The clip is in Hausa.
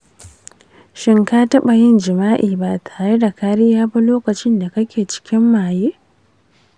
shin ka taɓa yin jima'i ba tare da kariya ba lokacin da kake cikin maye?